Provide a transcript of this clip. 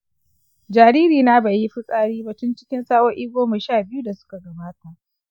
jaririna bai yi fitsari ba tun cikin sa'o'i goma sha biyu da suka gabata.